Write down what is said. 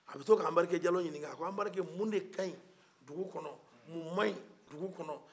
a bɛ to ka anbarike jalo ɲinika a ko anbarike mun de kaɲi dugu kɔnɔ mun maɲi dugu kɔnɔ